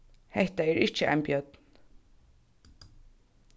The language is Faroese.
hetta er ikki ein bjørn